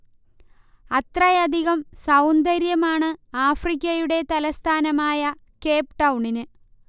അത്രയധികം സൗന്ദര്യമാണ് ആഫ്രിക്കയുടെ തലസ്ഥാനമായ കേപ് ടൗണിന്